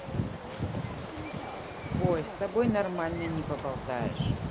ой с тобой нормально не поболтаешь